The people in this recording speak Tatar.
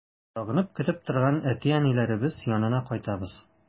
Сагынып көтеп торган әти-әниләребез янына кайтабыз.